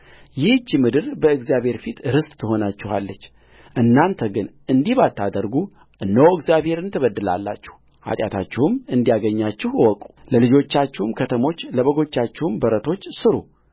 ይህች ምድርም በእግዚአብሔር ፊት ርስት ትሆንላችኋለችእናንተ ግን እንዲህ ባታደርጉ እነሆ እግዚአብሔርን ትበድላላችሁ ኃጢአታችሁም እንዲያገኛችሁ እወቁለልጆቻችሁ ከተሞች ለበጎቻችሁም በረቶች ሥሩ